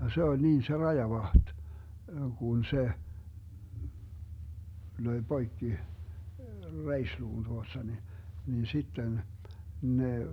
ja se oli niin se rajavahti kun se löi poikki reisiluun tuosta niin niin sitten ne